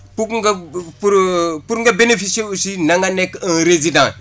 pour nga pour pour nga bénéficier wu aussi na nga nekk un résident